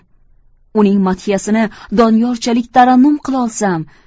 uning madhiyasini doniyorchalik tarannum qilolsam